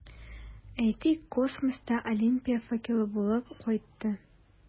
Әйтик, космоста Олимпия факелы булып кайтты.